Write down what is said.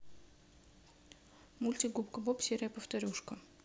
мультик губка боб серия повторюшка